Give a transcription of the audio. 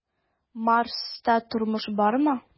"марста тормыш бармы?"